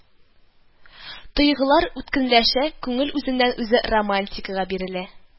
Тойгылар үткенләшә, күңел үзеннән-үзе романтикага бирелә